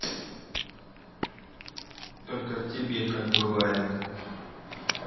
только в тебе как бывает